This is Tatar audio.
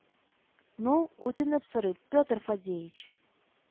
Ну, үтенеп сорыйм, Петр Фадеич